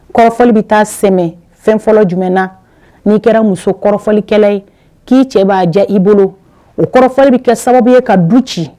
Kɔrɔfɔli bɛ taa sɛmɛ fɛn fɔlɔ jumɛn na, n'i kɛra muso kɔrɔfɔlikɛlan ye k'i cɛ b'a diya i bolo, o kɔrɔfɔli bɛ kɛ sababu ye ka du ci.